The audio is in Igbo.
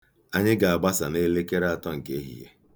Anyị ga-agbasa n'elekere atọ nke ehihie.